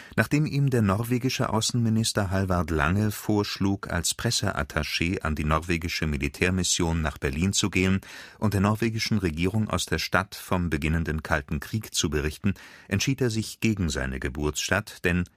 Nachdem ihm der norwegische Außenminister Halvard Lange vorschlug, als Presseattaché an die Norwegische Militärmission nach Berlin zu gehen und der norwegischen Regierung aus der Stadt vom beginnenden Kalten Krieg zu berichten, entschied er sich gegen seine Geburtsstadt, denn